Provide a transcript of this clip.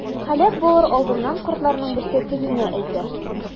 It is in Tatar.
Һәлак булыр алдыннан картларның берсе тегеңә әйтә.